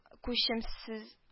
Күчемссез